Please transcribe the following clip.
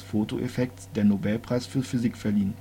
der Nobelpreis für Physik verliehen